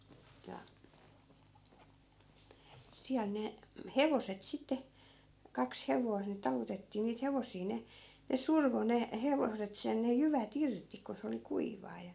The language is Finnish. ja siellä ne hevoset sitten kaksi hevosta niin talutettiin niitä hevosia ne ne survoi ne hevoset sen ne jyvät irti kun se oli kuivaa ja